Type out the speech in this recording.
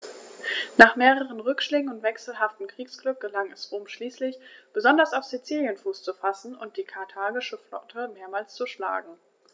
Nach mehreren Rückschlägen und wechselhaftem Kriegsglück gelang es Rom schließlich, besonders auf Sizilien Fuß zu fassen und die karthagische Flotte mehrmals zu schlagen.